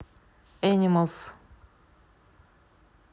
animals